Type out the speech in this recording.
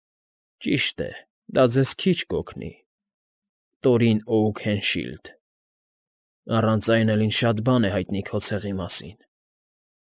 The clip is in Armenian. Ճիշտ է, դա ձեզ քիչ կօգնի, Տորին Օուքենշիլդ, առանց այն էլ ինձ շատ բան է հայտնի քո ցեղի մասին։